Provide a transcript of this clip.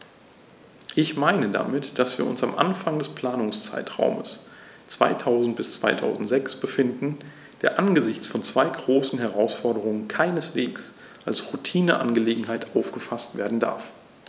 Ich meine damit, dass wir uns am Anfang des Planungszeitraums 2000-2006 befinden, der angesichts von zwei großen Herausforderungen keineswegs als Routineangelegenheit aufgefaßt werden darf.